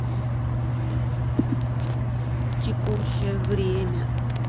текущее время